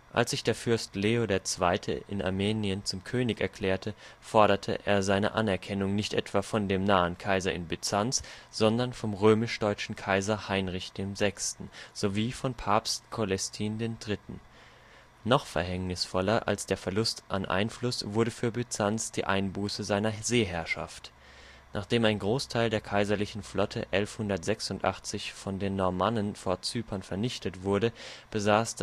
Als sich der Fürst Leo II. in Armenien zum König erklärte, forderte er seine Anerkennung nicht etwa vom nahen Kaiser in Byzanz, sondern vom römisch-deutschen Kaiser Heinrich VI. sowie von Papst Coelestin III.. Noch verhängnisvoller als der Verlust an Einfluss wurde für Byzanz die Einbuße seiner Seeherrschaft. Nachdem ein Großteil der kaiserlichen Flotte 1186 von den Normannen vor Zypern vernichtet wurde, besaß